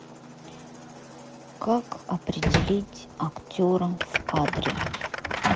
как определить актера в кадре